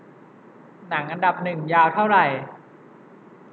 หนังอันดับหนึ่งยาวเท่าไหร่